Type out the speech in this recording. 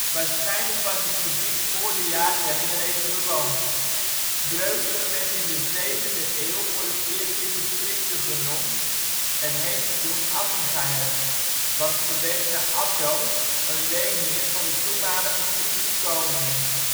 Waarschijnlijk was het gebied voor de jaartelling reeds bewoond. Breukelen werd in de 7e eeuw voor het eerst in geschriften genoemd, en heette toen Attingahem, wat verwees naar Atto, een leenheer van de toenmalige Friese koning